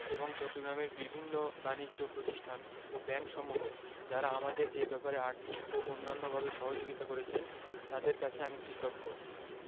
এবং চট্টগ্রামের বিভিন্ন বানিজ্য প্রতিষ্ঠান ও ব্যাংকসমূহ যারা আমাদের এ ব্যাপারে আর্থিক ও অন্যান্যভাবে সহযোগিতা করেছেন তাঁদের কাছে আমি কৃতজ্ঞ